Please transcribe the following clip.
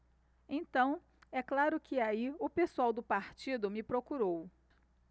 então é claro que aí o pessoal do partido me procurou